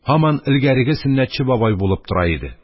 Һаман элгәреге сөннәтче бабай булып тора иде.